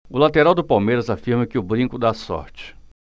o lateral do palmeiras afirma que o brinco dá sorte